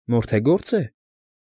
Մորթեգո՞րծ է։